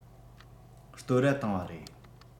བསྟོད ར བཏང བ རེད